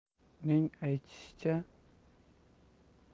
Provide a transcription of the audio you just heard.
uning aytishicha